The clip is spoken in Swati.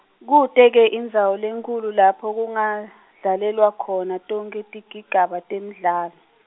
Kute-ke indzawo lenkhulu lapho kungadlalelwa khona tonkhe tigigaba temdlalo.